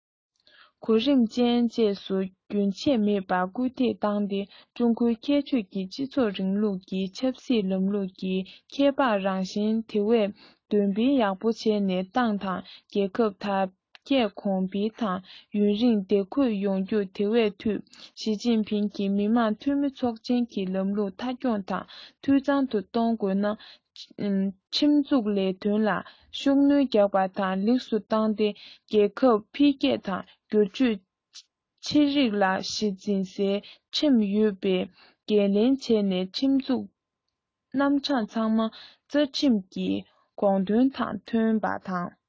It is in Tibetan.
གོ རིམ ཅན བཅས སུ རྒྱུན ཆད མེད པར སྐུལ འདེད བཏང སྟེ ཀྲུང གོའི ཁྱད ཆོས ཀྱི སྤྱི ཚོགས རིང ལུགས ཀྱི ཆབ སྲིད ལམ ལུགས ཀྱི ཁྱད འཕགས རང བཞིན དེ བས འདོན སྤེལ ཡག པོ བྱས ནས ཏང དང རྒྱལ ཁབ དར རྒྱས གོང འཕེལ དང ཡུན རིང བདེ འཁོད ཡོང རྒྱུར དེ བས འཐུས ཞིས ཅིན ཕིང གིས མི དམངས འཐུས མི ཚོགས ཆེན གྱི ལམ ལུགས མཐའ འཁྱོངས དང འཐུས ཚང དུ གཏོང དགོས ན ཁྲིམས འཛུགས ལས དོན ལ ཤུགས སྣོན རྒྱག པ དང ལེགས སུ བཏང སྟེ རྒྱལ ཁབ འཕེལ རྒྱས དང སྒྱུར བཅོས ཆེ རིགས ལ གཞི འཛིན སའི ཁྲིམས ཡོད པའི འགན ལེན བྱས ནས ཁྲིམས འཛུགས རྣམ གྲངས ཚང མ རྩ ཁྲིམས ཀྱི དགོངས དོན དང མཐུན པ དང